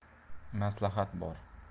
maslahat bor